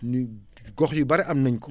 nu gox yu bare am nañ ko